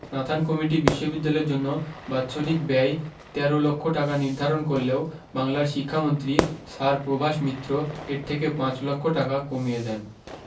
Nathan committee বিশ্ববিদ্যালয়ের জন্য বাৎসরিক ব্যয় ১৩ লক্ষ টাকা নির্ধারণ করলেও বাংলার শিক্ষামন্ত্রী স্যার প্রভাস মিত্র এর থেকে পাঁচ লক্ষ টাকা কমিয়ে দেন